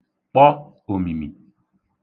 kpọ òmìmì